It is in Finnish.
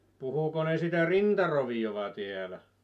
puhuiko ne sitä rintaroviota täällä